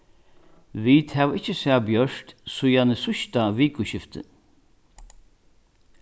vit hava ikki sæð bjørt síðani síðsta vikuskifti